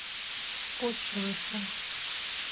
по часу